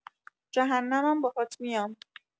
جهنمم باهات میام!